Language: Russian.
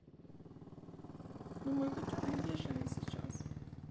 ну мой котенок бешеный сейчас